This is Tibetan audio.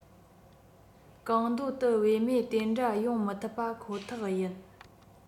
གང འདོད དུ བེད མེད དེ འདྲ ཡོང མི ཐུབ པ ཁོ ཐག ཡིན